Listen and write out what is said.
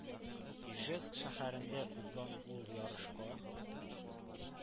Ижевск шәһәрендә узган ул ярышка